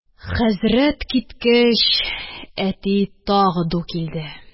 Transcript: Хәзрәт киткәч, әти тагы ду килде